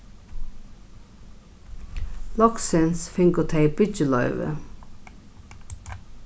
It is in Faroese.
loksins fingu tey byggiloyvi